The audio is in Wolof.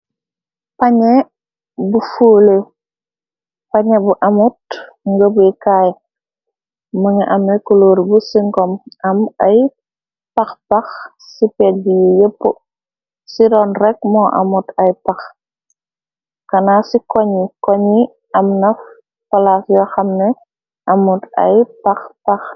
Panye bu foleh panye be amut ngëbu kaay mënga ame kuluur bu sinkom am ay pax pax ci pej yi yépp ci roon rekk moo amot ay pax kana ci konnye konnye amna palaas yo xamne amot ay pax pax.